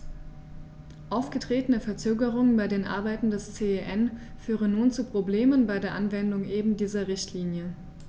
Aufgetretene Verzögerungen bei den Arbeiten des CEN führen nun zu Problemen bei der Anwendung eben dieser Richtlinie.